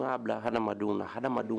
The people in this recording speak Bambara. N y'a bila hadamadenw na hadamadenw